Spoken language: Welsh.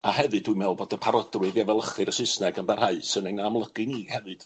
A hefyd, dwi'n me'wl bod y parodrwydd i efelychu'r y Saesneg yn barhaus yn ein amlygu ni hefyd